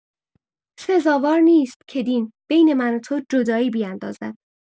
سزاوار نیست که دین، بین من و تو جدایی بیندازد.